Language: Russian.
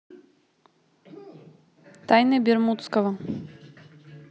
тайны бермудского